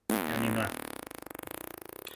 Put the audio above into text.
Awni ymlan.